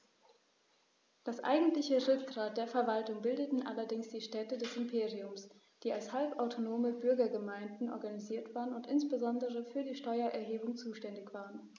Das eigentliche Rückgrat der Verwaltung bildeten allerdings die Städte des Imperiums, die als halbautonome Bürgergemeinden organisiert waren und insbesondere für die Steuererhebung zuständig waren.